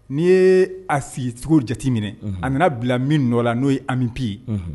N'i ye a cogo jate minɛ a nana bila min nɔ la n'o ye amimipi ye